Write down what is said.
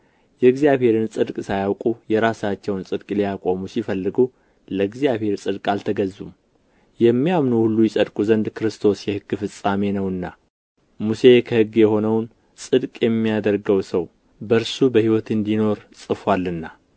የእግዚአብሔርን ጽድቅ ሳያውቁ የራሳቸውንም ጽድቅ ሊያቆሙ ሲፈልጉ ለእግዚአብሔር ጽድቅ አልተገዙም የሚያምኑ ሁሉ ይጸድቁ ዘንድ ክርስቶስ የሕግ ፍጻሜ ነውና ሙሴ ከሕግ የሆነውን ጽድቅ የሚያደርገው ሰው በእርሱ በሕይወት እንዲኖር ጽፎአልና